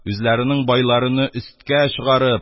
Үзләренең байларыны өсткә чыгарып,